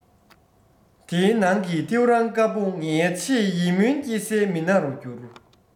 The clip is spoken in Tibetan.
དེའི ནང གི ཐེའུ རང དཀར པོ ངའི ཆེས ཡིད སྨོན སྐྱེ སའི མི སྣ རུ གྱུར